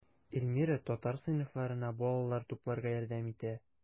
Эльмира татар сыйныфларына балалар тупларга ярдәм итә.